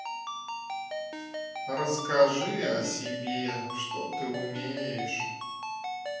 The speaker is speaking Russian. расскажи о себе что ты умеешь